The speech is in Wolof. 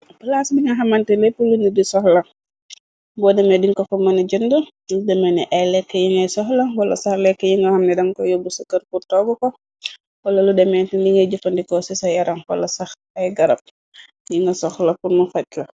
Plaas bi nga xamante lépp lu nit di soxla. Boo deme dinkofa mëna jëndé. Ni deme ni ay lekk yi ngay soxla. Wala sax lekk yi nga xamni dang ko yóbbu sa kër pur toogu ko. Wala lu demeni li ngay jëfandiko ci sa yaram. Wala sax ay garab yi nga sox la purmu faj la.